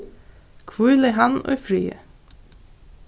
hvíli hann í friði